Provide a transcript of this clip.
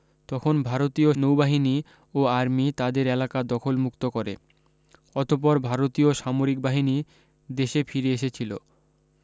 তখন ভারতীয় নৌবাহিনী ও আর্মি তাদের এলাকা দখল মুক্ত করে অতপর ভারতীয় সামরিক বাহিনী দেশে ফিরে এসেছিল